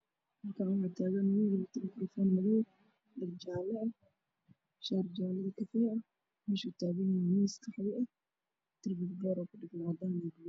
Halkaan waxaa taagan wiil wato makaroofan madow ah, dhar jaale ah shaati jaale iyo kafay ah, meesha uu taagan yahay waa miis qaxwi ah, darbiga waxaa kudhagan boor oo cadaan iyo buluug ah.